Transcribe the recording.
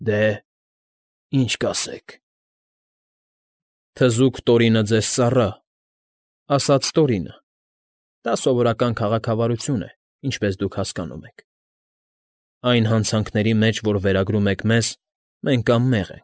Դե՞, ի՞նչ կասեք։ ֊ Թզուկ Տորինը ձեզ ծառա,֊ ասաց Տորինը (դա սովորական քաղաքվարություն է, ինչպես դուք հասկանում եք)։֊ Այն հանցանքների մեջ, որ վերագրում եք մեզ, մենք անմեղ։